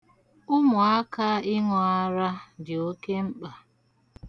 Umụaka ịnụ ara dị oke mkpa.